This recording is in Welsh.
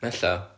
ella